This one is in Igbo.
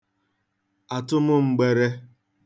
àtụmgbērē